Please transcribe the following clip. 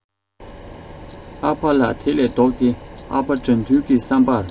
ཨ ཕ ལ དེ ལས ལྡོག སྟེ ཨ ཕ དགྲ འདུལ གི བསམ པར